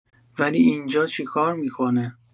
ولی اینجا چیکار می‌کنه؟